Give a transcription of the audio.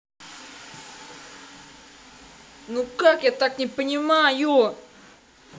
ну как я так не понимаю